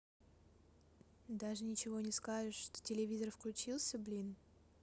даже ничего не скажет что телевизор включился блин